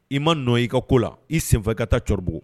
I ma nɔ i ka ko la i senfɛ ka taa cbugu